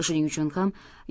shuning uchun ham